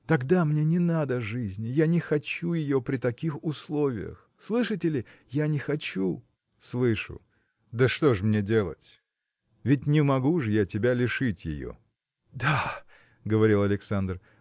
тогда мне не надо жизни, я не хочу ее при таких условиях – слышите ли? я не хочу. – Слышу; да что ж мне делать? ведь не могу же я тебя лишить ее. – Да! – говорил Александр